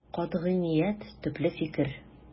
Катгый ният, төпле фикер.